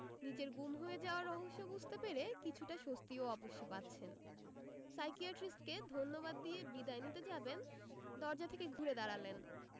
নিজের গুম হয়ে যাওয়ার রহস্য বুঝতে পেরে কিছুটা স্বস্তিও অবশ্য পাচ্ছেন সাইকিয়াট্রিস্টকে ধন্যবাদ দিয়ে বিদায় নিতে যাবেন দরজা থেকে ঘুরে দাঁড়ালেন